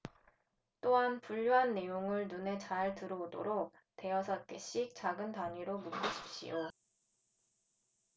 또한 분류한 내용을 눈에 잘 들어오도록 대여섯 개씩 작은 단위로 묶으십시오